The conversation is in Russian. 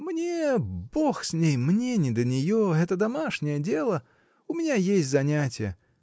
Мне — Бог с ней: мне не до нее, это домашнее дело! У меня есть занятие.